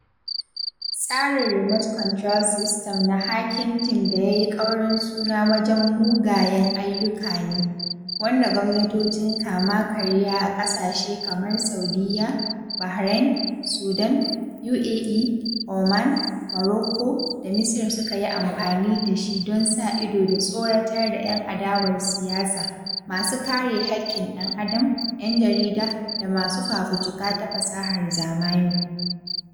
Tsarin “Remote Control System” na Hacking Team da yayi ƙaurin suna wajen mugayen ayyuka ne, wanda gwamnatocin kama karya a ƙasashe kamar Saudiyya, Bahrain, Sudan, UAE, Oman, Morocco da Misira suka yi amfani da shi don sa ido da tsoratar da 'yan adawar siyasa, masu kare haƙƙin ɗan adam, ‘yan jarida, da masu fafutuka ta fasahar zamani.